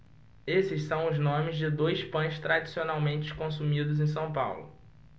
esses são os nomes de dois pães tradicionalmente consumidos em são paulo